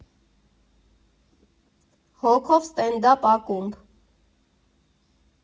Հոգով ստենդափ ակումբ։